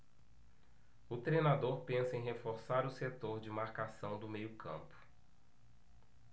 o treinador pensa em reforçar o setor de marcação do meio campo